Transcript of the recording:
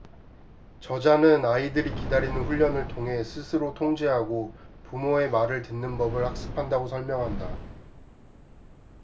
저자는 아이들이 기다리는 훈련을 통해 스스로 통제하고 부모의 말을 듣는 법을 학습한다고 설명한다